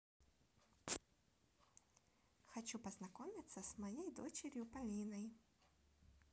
хочу познакомиться с моей дочерью полиной